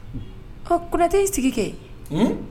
Kuntɛ' sigi kɛ